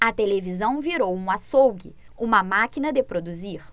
a televisão virou um açougue uma máquina de produzir